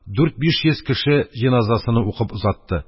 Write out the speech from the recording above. Дүрт-биш йөз кеше җеназасыны укып озатты.